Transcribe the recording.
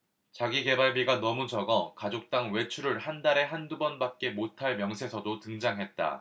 자기계발비가 너무 적어 가족당 외출을 한 달에 한 두 번밖에 못할 명세서도 등장했다